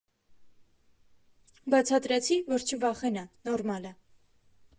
Բացատրեցի, որ չվախենա, նորմալ ա։